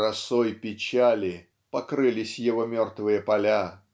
"Росой печали" покрылись его мертвые поля